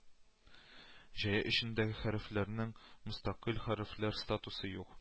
Җәя өчендәге хәрефләрнең мөстәкыйль хәрефләр стасусы юк